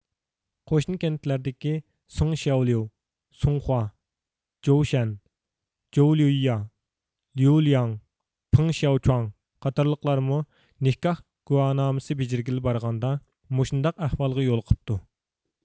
قوشنا كەنتلەردىكى سۇڭشياۋليۇ سۇڭخۇا جوۋشەن جوۋلۈييا ليۇلياڭ پېڭ شياۋچۇاڭ قاتارلىقلارمۇ نىكاھ گۇۋاھنامىسى بېجىرگىلى بارغاندا مۇشۇنداق ئەھۋالغا يولۇقۇپتۇ